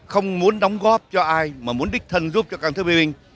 không muốn đóng góp cho ai mà muốn đích thân giúp cho các thương phế binh